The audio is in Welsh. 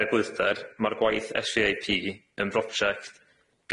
Er gwyrdder ma'r gwaith Ess See Eye Pee yn broject